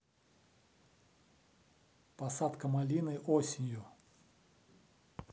посадка малины осенью